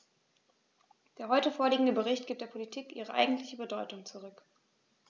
Der heute vorliegende Bericht gibt der Politik ihre eigentliche Bedeutung zurück.